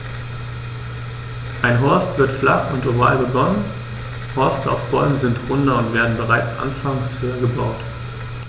Ein Horst wird flach und oval begonnen, Horste auf Bäumen sind runder und werden bereits anfangs höher gebaut.